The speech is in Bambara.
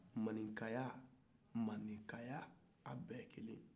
maninkaya mandenkaya a bɛɛ ye kelen ye